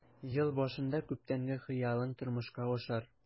Ел башында күптәнге хыялың тормышка ашар.